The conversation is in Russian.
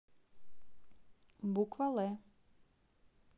буква лэ